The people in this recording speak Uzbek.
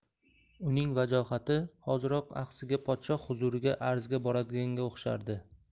uning vajohati hoziroq axsiga podshoh huzuriga arzga boradiganga o'xshardi